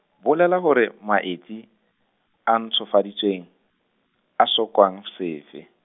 bolela hore, maetsi, a ntshofaditsweng, a sekaong sefe?